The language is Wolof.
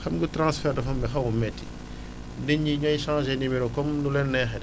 xam nga semaine tranfert dafa am lu xaw a métti nit ñi ñooy changé numéro comme nu leen neexee